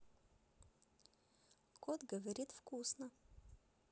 кот говорит вкусно